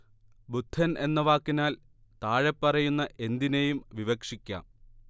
ബുദ്ധൻ എന്ന വാക്കിനാൽ താഴെപ്പറയുന്ന എന്തിനേയും വിവക്ഷിക്കാം